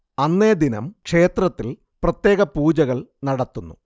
അന്നേ ദിനം ക്ഷേത്രത്തിൽ പ്രത്യേക പൂജകൾ നടത്തുന്നു